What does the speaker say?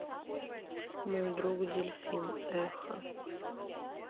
мой друг дельфин эхо